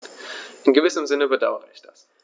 In gewissem Sinne bedauere ich das.